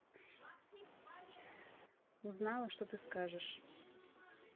узнала что ты скажешь